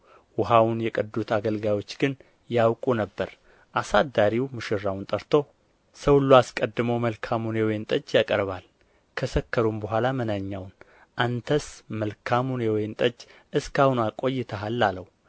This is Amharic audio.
ውኃውን የቀዱት አገልጋዮች ግን ያውቁ ነበር አሳዳሪው ሙሽራውን ጠርቶ ሰው ሁሉ አስቀድሞ መልካሙን የወይን ጠጅ ያቀርባል ከሰከሩም በኋላ መናኛውን አንተስ መልካሙን የወይን ጠጅ እስከ አሁን አቆይተሃል አለው